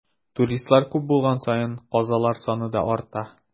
Туристлар күп булган саен, казалар саны да арта.